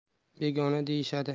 begona deyishadi